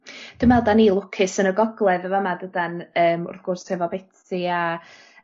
Dwi me'wl 'dan ni lwcus yn y gogledd y' fama dydan yym wrth gwrs hefo Betsy a